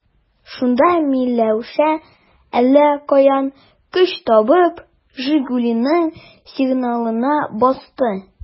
Шунда Миләүшә, әллә каян көч табып, «Жигули»ның сигналына басты.